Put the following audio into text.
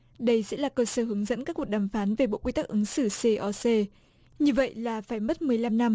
đây sẽ là cơ sở hướng dẫn các cuộc đàm phán về bộ quy tắc ứng xử xê o xê như vậy là phải mất mười lăm năm